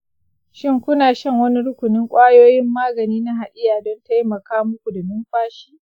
shin kuna shan wani rukunin kwayoyin magani na hadiya don taimaka muku da numfashi?